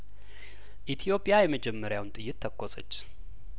ኢትዮጵያ የመጀመሪያውን ጥይት ተኮሰች